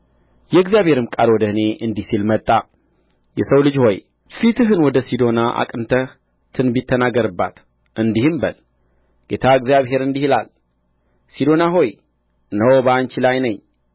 የእግዚአብሔርም ቃል ወደ እኔ እንዲህ ሲል መጣ የሰው ልጅ ሆይ ፊትህን ወደ ሲዶና አቅንተህ ትንቢት ተናገርባት እንዲህም በል ጌታ እግዚአብሔር እንዲህ ይላል ሲዶና ሆይ እነሆ በአንቺ ላይ ነኝ